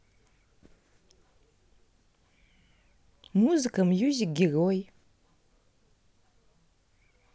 музыка music герой